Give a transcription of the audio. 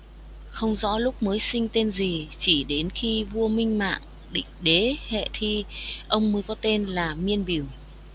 không rõ lúc mới sinh tên gì chỉ đến khi vua minh mạng định đế hệ thi ông mới có tên là miên bửu